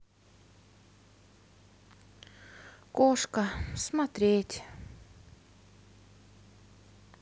кошка смотреть